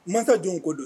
Kumata jɔn ko don